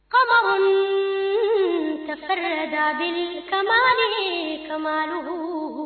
Kamalensonin ka da kain kadugu